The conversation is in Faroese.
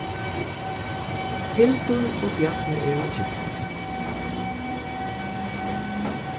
hildur og bjarni eru gift